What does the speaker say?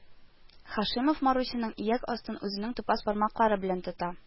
Һашимов Марусяның ияк астын үзенең тупас бармаклары белән тота